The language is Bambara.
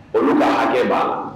Olu ka hakɛ b'a kan.